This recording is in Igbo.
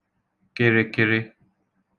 kịrịkịrị